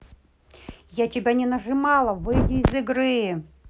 я тебя не нажимала выйди из игры